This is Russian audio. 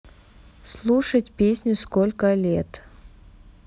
слушать песню сколько лет